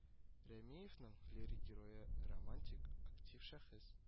Рәмиевнең лирик герое романтик, актив шәхес